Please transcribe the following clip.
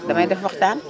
damay def waxtaan